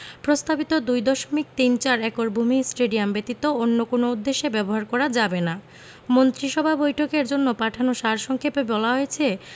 প্রস্তাবিত ২ দশমিক তিন চার একর ভূমি স্টেডিয়াম ব্যতীত অন্য কোনো উদ্দেশ্যে ব্যবহার করা যাবে না মন্ত্রিসভা বৈঠকের জন্য পাঠানো সার সংক্ষেপে বলা হয়েছে